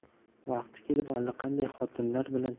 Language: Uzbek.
vaqti kelib allaqanday xotinlar bilan